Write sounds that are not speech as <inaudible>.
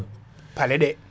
<breath> paleɗe